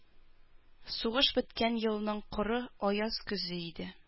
Сугыш беткән елның коры, аяз көзе иде.